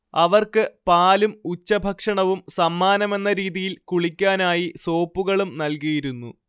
അവർക്ക് പാലും ഉച്ചഭക്ഷണവും സമ്മാനമെന്ന രീതിയിൽ കുളിക്കാനായി സോപ്പുകളും നൽകിയിരുന്നു